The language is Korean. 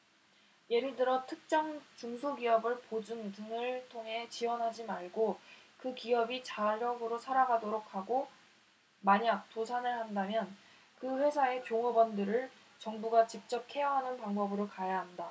예를 들어 특정 중소기업을 보증 등을 통해 지원하지 말고 그 기업이 자력으로 살아가도록 하고 만약 도산을 한다면 그 회사의 종업원들을 정부가 직접 케어하는 방법으로 가야 한다